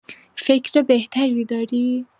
فکر بهتری داری؟